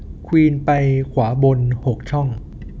ควีนไปขวาบนหกช่อง